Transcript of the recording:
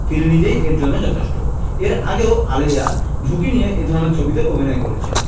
তিনি নিজেই এর জন্য যথেষ্ট এর আগেও আলিয়া ঝুঁকি নিয়ে এ ধরনের ছবিতে অভিনয় করেছেন